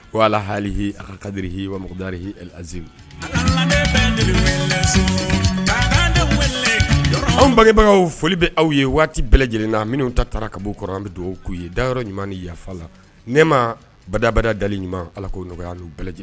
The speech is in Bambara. Ko ala hali a kad h wadaz anw bangebaga foli bɛ aw ye waati bɛɛ lajɛlenna minnu ta taara kab kɔnɔ an bɛ don k'u ye dayɔrɔ ɲuman ni yafa la ne ma badabada dalenli ɲuman ala ko nɔgɔya' bɛɛ lajɛlen